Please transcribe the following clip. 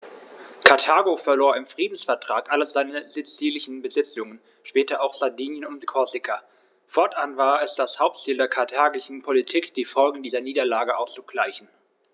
Karthago verlor im Friedensvertrag alle seine sizilischen Besitzungen (später auch Sardinien und Korsika); fortan war es das Hauptziel der karthagischen Politik, die Folgen dieser Niederlage auszugleichen.